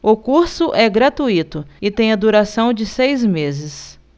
o curso é gratuito e tem a duração de seis meses